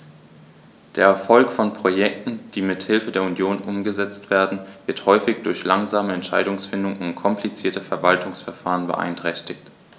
Der Erfolg von Projekten, die mit Hilfe der Union umgesetzt werden, wird häufig durch langsame Entscheidungsfindung und komplizierte Verwaltungsverfahren beeinträchtigt.